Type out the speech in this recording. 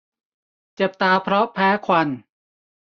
เจ็บตาเพราะแพ้ควัน